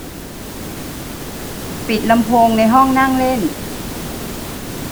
ปิดลำโพงในห้องนั่งเล่น